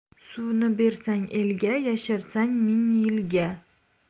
suvni bersang elga yasharsan ming yilga